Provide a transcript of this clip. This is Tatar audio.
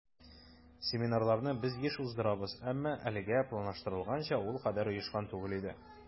Семинарларны без еш уздырабыз, әмма әлегә планлаштырылганча ул кадәр оешкан түгел иде.